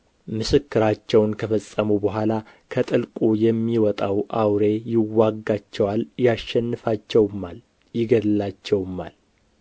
ምስክራቸውን ከፈጸሙ በኋላ ከጥልቁ የሚወጣው አውሬ ይዋጋቸዋል ያሸንፋቸውማል ይገድላቸውማል